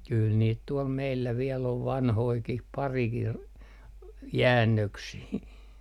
kyllä niitä tuolla meillä vielä on vanhojakin parikin jäännöksiä